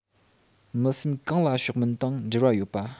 མི སེམས གང ལ ཕྱོགས མིན དང འབྲེལ བ ཡོད པ